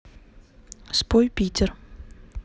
спой питер